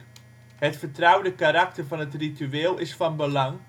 vertouwde karakter van het ritueel is van belang